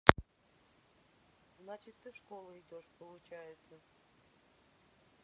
значит ты в школу идешь получается